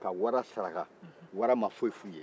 ka wara saraka wara ma fosi f'u ye